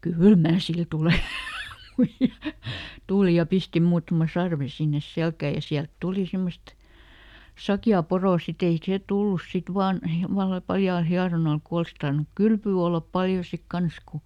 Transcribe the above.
kyllä minä sille tulen muija tuli ja pisti muutaman sarven sinne selkään ja sieltä tuli semmoista sakeaa poroa sitten ei se tullut sitten vain omalla paljaalla hieronnalla kun olisi tarvinnut kylpyä olla paljon sitten kanssa kun